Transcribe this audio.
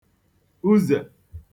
uzè